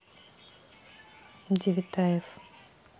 девитаев